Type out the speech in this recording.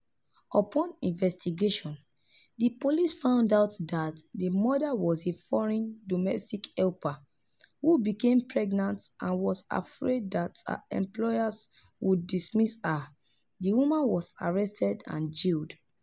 Upon investigation, the police found out that the mother was a foreign domestic helper who became pregnant and was afraid that her employers would dismiss her. The woman was arrested and jailed.